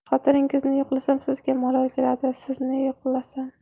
xotiningizni yoqlasam sizga malol keladi sizni yoqlasam